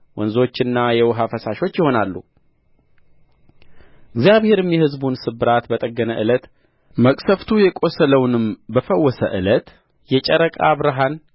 ወንዞችና የውኃ ፈሳሾች ይሆናሉ እግዚአብሔርም የሕዝቡን ስብራት በጠገነ ዕለት መቅሰፍቱ የቈሰለውንም በፈወሰ ዕለት የጨረቃ ብርሃን